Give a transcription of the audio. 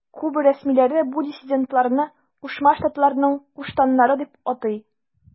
Куба рәсмиләре бу диссидентларны Кушма Штатларның куштаннары дип атый.